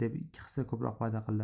deb ikki hissa ko'proq va'da qildi